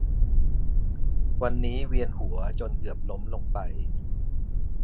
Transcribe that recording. วันนี้เวียนหัวจนเกือบล้มลงไป